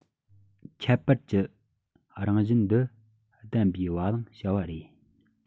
ཁྱད པར གྱི རང བཞིན འདི ལྡན པའི བ གླང བཤའ བ རེད